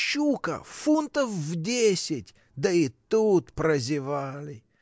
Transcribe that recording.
щука фунтов в десять, да и тут прозевали.